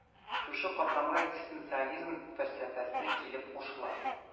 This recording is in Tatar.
Шушы катламга экзистенциализм фәлсәфәсе килеп кушыла.